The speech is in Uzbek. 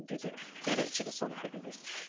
dedi yana ichida sdlihabibi